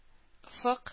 Офык